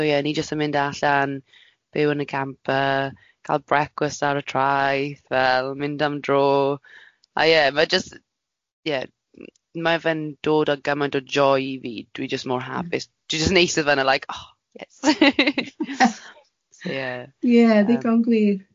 So ie, o'n i jyst yn mynd allan, byw yn y camper, cael brecwast ar y traeth, fel mynd am dro. A ie, ma' jyst ie, mae fe'n dod â gymaint o joy i fi. Dwi jyst mor hapus. Dwi jyst yn eistedd fan'na like, oh yes. So yeah. Yeah, ddigon gwir.